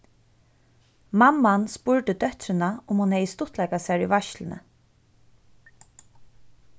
mamman spurdi dóttrina um hon hevði stuttleikað sær í veitsluni